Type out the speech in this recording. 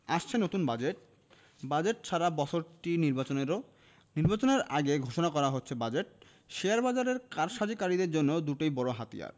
আসছে নতুন budget budget ছাড়া বছরটি নির্বাচনেরও নির্বাচনের আগে ঘোষণা করা হচ্ছে বাজেট শেয়ারবাজারের কারসাজিকারীদের জন্য দুটোই বড় হাতিয়ার